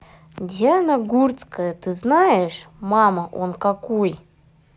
диана гурцкая ты знаешь мама он какой